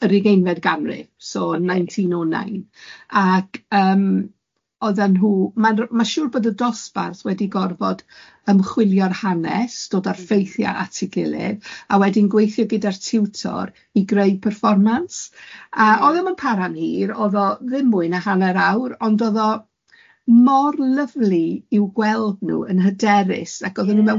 Yr ugeinfed ganrif, so yn nineteen oh nine, ac yym oeddan nhw ma'n r- ma'n siŵr bod y dosbarth wedi gorfod ymchwilio'r hanes, dod â'r ffeithiau at ei gilydd, a wedyn gweithio gyda'r tiwtor i greu perfformans, a oedd o'm yn para am hir, oedd o ddim mwy na hanner awr, ond oedd o mor lyfli i'w gweld nhw yn hyderus, ac oedden nhw... Ie.